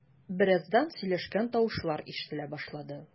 Бераздан сөйләшкән тавышлар ишетелә башлады.